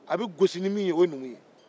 a bɛ gosi ni min ye o ye numu ye